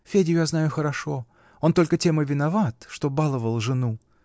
Федю я знаю хорошо; он только тем и виноват, что баловал жену.